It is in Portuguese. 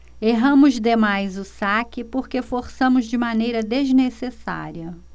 erramos demais o saque porque forçamos de maneira desnecessária